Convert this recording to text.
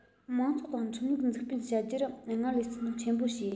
དམངས གཙོ དང ཁྲིམས ལུགས འཛུགས སྤེལ བྱ རྒྱུར སྔར ལས བརྩི མཐོང ཆེན པོ བྱས